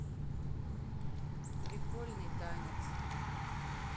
прикольный танец